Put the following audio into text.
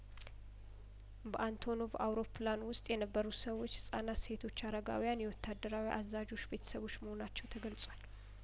በአንቶኖቭ አውሮፕላን ውስጥ የነበሩት ሰዎች ህጻናት ሴቶች አረጋውያንና የወታደራዊ አዛዦች ቤተሰቦች መሆናቸው ተገልጿል